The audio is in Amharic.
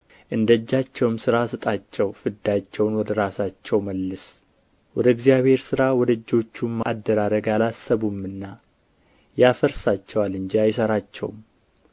እንደ እጃቸውም ሥራ ስጣቸው ፍዳቸውን ወደ ራሳቸው መልስ ወደ እግዚአብሔር ሥራ ወደ እጆቹም አደራረግ አላሰቡምና ያፈርሳቸዋል እንጂ አይሠራቸውም